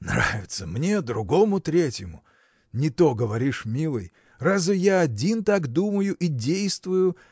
– Нравится мне, другому, третьему!. не то говоришь, милый! разве я один так думаю и действую